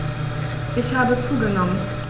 Ich habe zugenommen.